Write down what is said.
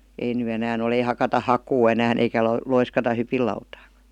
ei nyt enää ole ei hakata hakua enää eikä - loiskata hypinlautaakaan